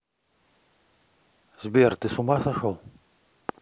сбер ты с ума сошел